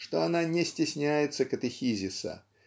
что она не стесняется катехизиса